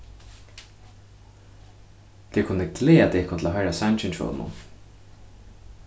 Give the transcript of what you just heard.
tit kunnu gleða tykkum til at hoyra sangin hjá honum